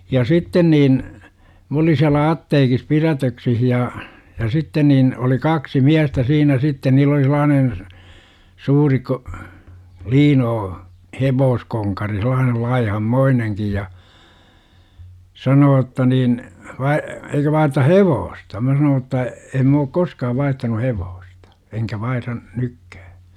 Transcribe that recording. ja sitten niin minä olin siellä apteekissa pidätyksissä ja ja sitten niin oli kaksi miestä siinä sitten niin oli sellainen suuri - liino hevoskonkari sellainen laihanmoinenkin ja sanoo jotta niin vai eikö vaihdeta hevosta minä sanoin jotta en minä ole koskaan vaihtanut hevosta enkä vaihda nytkään